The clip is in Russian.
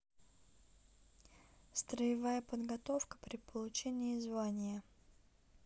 строевая подготовка при получении звания